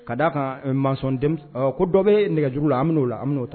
Ka d'a kan maçon denmisɛn, ko dɔ bɛ nɛgɛjuguuru la an n'o la, an bɛ n'o ta.